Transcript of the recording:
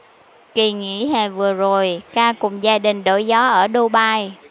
kỳ nghỉ hè vừa rồi k cùng gia đình đổi gió ở dubai